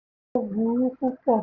Ó burú púpọ̀